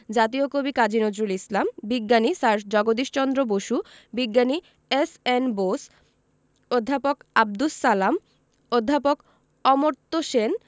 জাতীয় কবি কাজী নজরুল ইসলাম বিজ্ঞানী স্যার জগদীশ চন্দ্র বসু বিজ্ঞানী এস.এন বোস অধ্যাপক আবদুস সালাম অধ্যাপক অমর্ত্য সেন